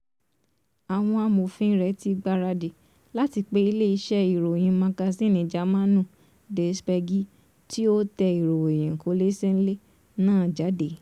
Àwọn amòfin rẹ ti gbaradì láti pe ìlé iṣẹ́ ìròyìn magazínì Jámànù Der Spiege, tí ó tẹ ìròyìn kòlẹ̀ṣẹ̀ńlẹ̀ náà jáde.